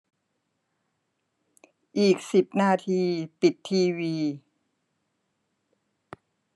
อีกสิบนาทีปิดทีวี